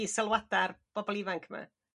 i sylwada'r bobol ifanc 'ma?